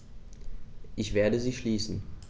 Ich werde sie schließen.